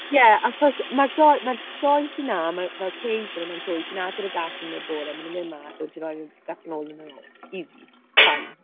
Ie, achos mae'r do- mae'r dou sy 'na, ma' fel cage nhw. Mae'n rhwydd, ti'n agor y giat iddyn nhw yn y bore, maen nhw'n mynd mas, a wedyn ti'n rhoi nhw back nôl yn y nos. Easy. Fine.